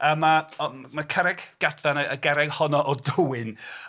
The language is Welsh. A mae... Ond mae carreg Gadfan, y garreg honno o Dywyn